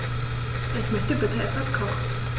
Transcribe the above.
Ich möchte bitte etwas kochen.